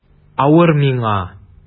Авыр миңа...